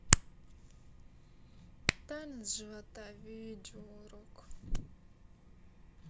танец живота видео урок